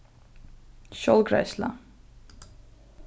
sjálvgreiðsla